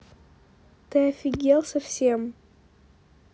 ты офигел совсем